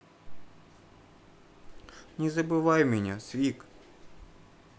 не забывай меня свик